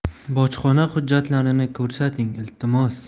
bojxona hujjatlarini ko'rsating iltimos